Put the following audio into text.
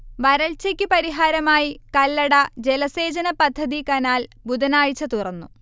വരൾച്ചയ്ക്ക് പരിഹാരമായി കല്ലട ജലസേചനപദ്ധതി കനാൽ ബുധനാഴ്ച തുറന്നു